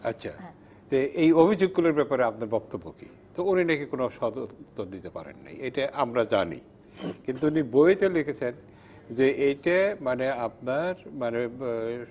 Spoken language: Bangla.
আচ্ছা হ্যা এই অভিযোগগুলো ব্যাপারে আপনার বক্তব্য কি তো উনি নাকি অত উত্তর দিতে পারেন নাই এটা আমরা জানি কিন্তু উনি বইতে লিখেছেন যে এটা মানে আপনার মানে